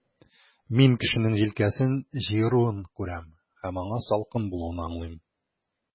Мин кешенең җилкәсен җыеруын күрәм, һәм аңа салкын булуын аңлыйм.